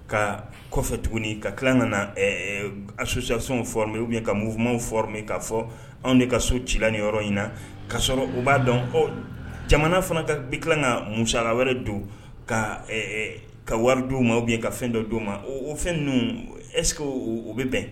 Ka kɔfɛ tuguni ka tila nana a susisow bɛ ka munmaw f min ka fɔ anw de ka so cila ni yɔrɔ ɲin ka sɔrɔ u b'a dɔn jamana fana ka bɛ tila ka musala wɛrɛ don ka waridu ma bɛ ye ka fɛn dɔ' u ma o fɛn ninnu ɛsseke u bɛ bɛn